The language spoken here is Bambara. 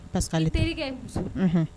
parce que ale terikɛ